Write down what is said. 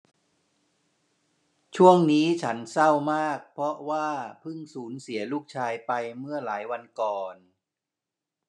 ช่วงนี้ฉันเศร้ามากเพราะว่าพึ่งสูญเสียลูกชายไปเมื่อหลายวันก่อน